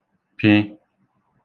pị̄